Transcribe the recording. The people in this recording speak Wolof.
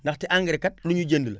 ndaxte engrais kat lu ñuy jënd la